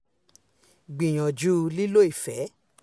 Gbìyànjú lílo ìfẹ́.''